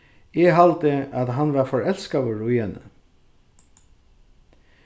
eg haldi at hann var forelskaður í henni